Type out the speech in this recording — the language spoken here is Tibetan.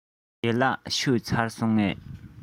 ཞལ ལག ཁ ལག མཆོད བཞེས ཚར སོང ངས